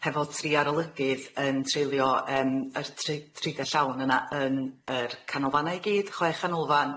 hefo tri arolygydd yn treulio yym yr trid- y tridia llawn yna yn yr canolfanna i gyd, chwe chanolfan